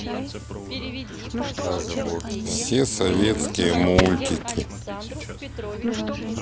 все советские мультики